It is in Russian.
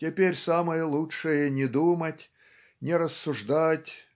"теперь самое лучшее не думать не рассуждать